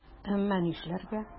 Әмма нишләргә?!